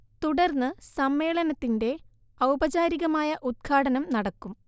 തുടർന്ന് സമ്മേളനത്തിന്റെ ഔപചാരികമായ ഉത്ഘാടനം നടക്കും